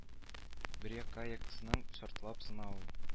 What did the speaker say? Бер якка ексаң шартлап сына ул